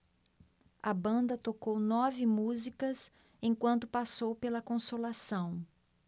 a banda tocou nove músicas enquanto passou pela consolação